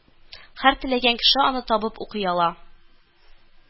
Һәр теләгән кеше аны табып укый ала